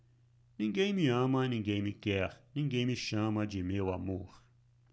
ninguém me ama ninguém me quer ninguém me chama de meu amor